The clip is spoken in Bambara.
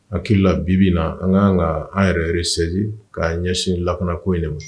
A hakili la bibi na an ka kan ka an yɛrɛ sɛ k'a ɲɛsin lakko in